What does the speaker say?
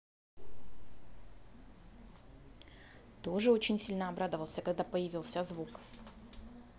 тоже очень сильно обрадовался когда появился звук